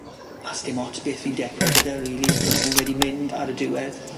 A sdim ots beth fi'n dechrau gyda rili achos mae wedi mynd ar y diwedd.